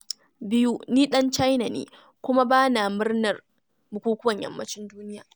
2.Ni ɗan China ne, kuma ba na murnar bukukuwan Yammacin duniya.